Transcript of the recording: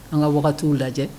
An ka wagatiw lajɛ